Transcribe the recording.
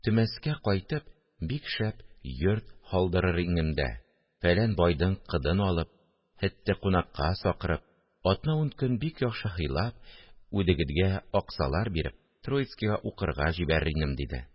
Төмәскә кайтып, бик шәп йорт һалдырыр инем дә... фәлән байдың кыдын алып, һедде кунакка сакырып, атна-ун көн бик яхшы һыйлап, үдегедгә аксалар биреп, Троицкига укырга җибәрер инем, – диде